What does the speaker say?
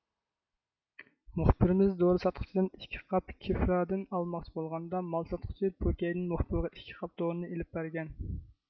مۇخبىرىمىز دورا ساتقۇچىدىن ئىككى قاپ كېفرادىن ئالماقچى بولغاندا مال ساتقۇچى پوكەيدىن مۇخبىرغا ئىككى قاپ دورىنى ئېلىپ بەرگەن